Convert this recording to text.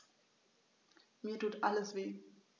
Mir tut alles weh.